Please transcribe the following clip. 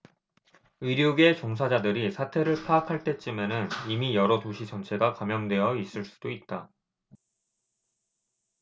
의료계 종사자들이 사태를 파악할 때쯤에는 이미 여러 도시 전체가 감염되어 있을 수도 있다